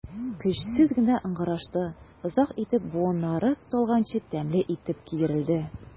Көчсез генә ыңгырашты, озак итеп, буыннары талганчы тәмле итеп киерелде.